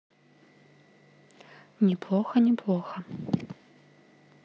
неплохо неплохо